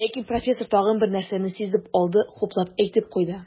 Ләкин профессор тагын бер нәрсәне сизеп алды, хуплап әйтеп куйды.